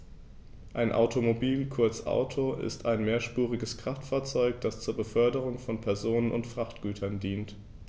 Ein Automobil, kurz Auto, ist ein mehrspuriges Kraftfahrzeug, das zur Beförderung von Personen und Frachtgütern dient.